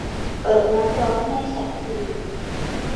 เปิดน้ำร้อนให้ฉันที